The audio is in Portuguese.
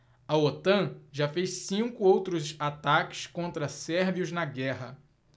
a otan já fez cinco outros ataques contra sérvios na guerra